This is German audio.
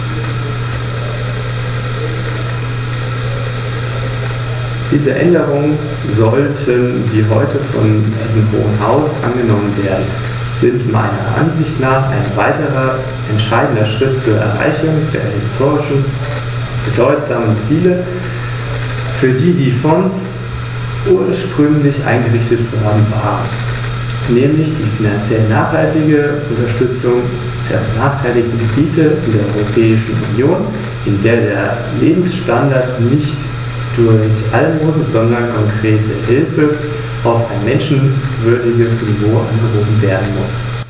Darüber hinaus wird auf die Notwendigkeit einer verstärkten Transparenz hingewiesen.